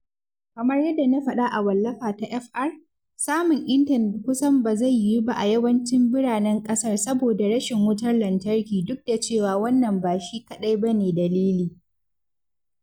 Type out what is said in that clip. Kamar yadda na faɗa a wallafa ta [Fr], samun intanet kusan ba zai yiwu ba a yawancin biranen ƙasar saboda rashin wutar lantarki duk da cewa wannan ba shi kaɗai bane dalili.